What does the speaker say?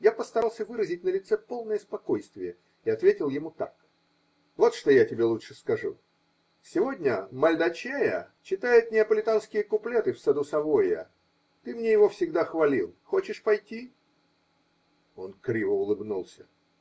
Я постарался выразить на лице полное спокойствие и ответил ему так: -- Вот что я тебе лучше скажу: сегодня Мальдачеа читает неаполитанские куплеты в саду Савойя. Ты мне его всегда хвалил. Хочешь пойти? Он криво улыбнулся.